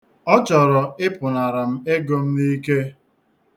Ọ chọrọ ịpụnara m ego m n'ike.